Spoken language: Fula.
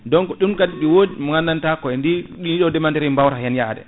donc ɗum kadi ne wodi mo gandanta ko ndi ɗiɗo deemanteri bawata hen yaade